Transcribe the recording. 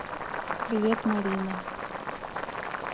привет марина